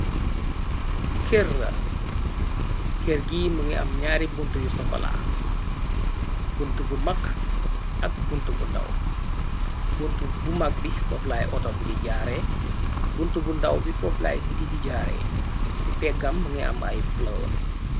keer la këer gi më ngi am ñaari moto yu sokola bunt bu mag ak bunt bu ndàw bunt bu mag bi foflaay auto bi di jaare bunt bu ndaw bi fooflaay nit yi di jaare ci peggam ma ngi am ay flor.